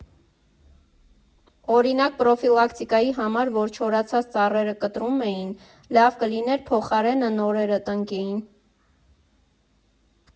Օրինակ՝ պռոֆիլակտիկայի համար, որ չորացած ծառերը կտրում էին, լավ կլիներ փոխարենը նորերը տնկեին։